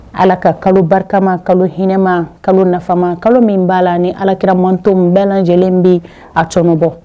Ala ka kalo barikama kalo hinɛma kalo nafama kalo min b'a la ni alakira mantɔ bɛɛ lajɛlen bɛ a cbɔ